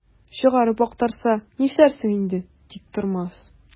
Чыгарып актарса, нишләрсең инде, Тиктормас?